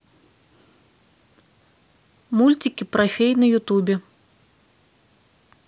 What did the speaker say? мультики про фей на ютубе